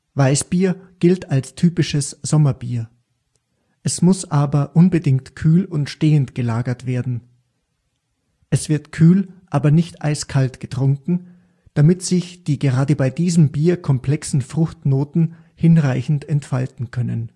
Weißbier gilt als typisches Sommerbier. Es muss aber unbedingt kühl und stehend gelagert werden. Es wird kühl, aber nicht eiskalt getrunken, damit sich die gerade bei diesem Bier komplexen Fruchtnoten hinreichend entfalten können